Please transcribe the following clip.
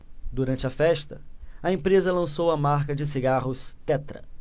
durante a festa a empresa lançou a marca de cigarros tetra